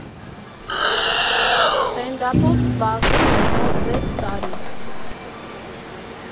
Ստենդափով զբաղվում եմ մոտ վեց տարի։